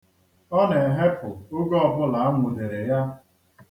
Ọ na-ehepụ oge ọbụla a nwụdere ya.